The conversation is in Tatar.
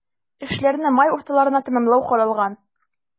Эшләрне май урталарына тәмамлау каралган.